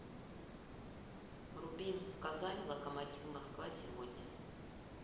рубин казань локомотив москва сегодня